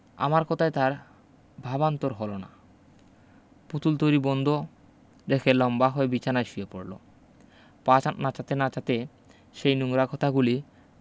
আমার কথায় তার ভাবান্তর হলো না পুতুল তৈরী বন্দ রেখে লম্বা হয়ে বিছানায় শুয়ে পড়লো পা নাচাতে নাচাতে সেই নোংরা কথাগুলি